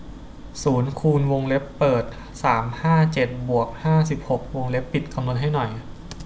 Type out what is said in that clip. ศูนย์คูณวงเล็บเปิดสามห้าเจ็ดบวกห้าสิบหกวงเล็บปิดคำนวณให้หน่อย